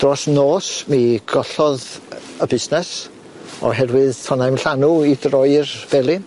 Dros nos mi gollodd yy y busnes oherwydd to' 'na i'm llanw i droi'r Felin.